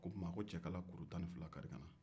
i bɛ cɛkala kuru tan ni fila kari ka na